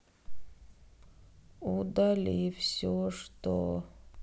удали все что